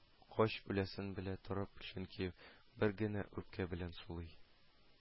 Кач үләсен белә торып чөнки бер генә үпкә белән сулый